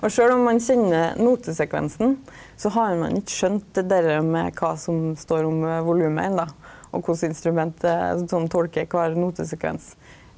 og sjølv om ein kjenner notesekvensen så har ein ikkje skjønt det derre med kva som står om volumet enda og kva instrument som tolkar kvar notesekvens.